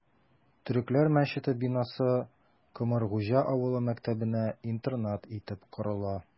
Төрекләр мәчете бинасы Комыргуҗа авылы мәктәбенә интернат итеп корыла...